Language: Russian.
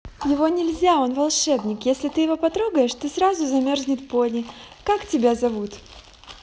его нельзя он волшебник если ты его потрогаешь ты сразу замерзнет пони как тебя зовут